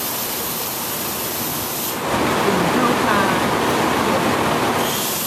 ฝุ่นเข้าตารู้สึกเจ็บ